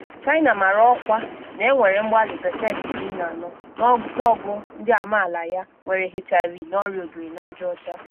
China mara ọkwa na-enwere mgbali 14% n’ọnụọgụ ndị amaala ya nwere HIV na Ọrịa obiri n’aja ọcha.